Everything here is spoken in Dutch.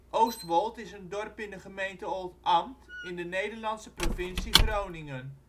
Oostwold is een dorp in de gemeente Oldambt in de Nederlandse provincie Groningen